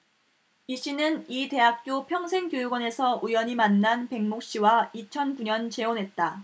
이씨는 이 대학교 평생교육원에서 우연히 만난 백모씨와 이천 구 년 재혼했다